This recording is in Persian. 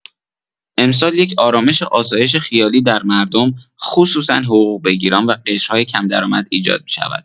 امسال یک آرامش و آسایش خیالی در مردم، خصوصا حقوق‌بگیران و قشرهای کم‌درآمد ایجاد شود.